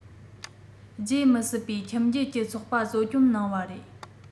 བརྗེད མི སྲིད པའི ཁྱིམ རྒྱུད ཀྱི ཚོགས པ གཙོ སྐྱོང གནང བ རེད